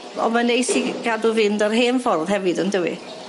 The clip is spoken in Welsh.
On' ma'n neis i gadw fynd a'r hen ffordd hefyd on'd yw i?